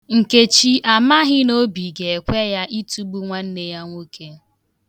Nkechi amaghị na obi ga-ekwe ya ịtụgbu nwanne ya nwoke.